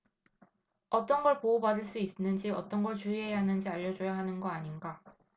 어떤 걸 보호받을 수 있는지 어떤 걸 주의해야 하는지 알려줘야 하는 거 아닌가